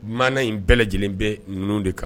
Mana in bɛɛ lajɛlen bɛ ninnu de kan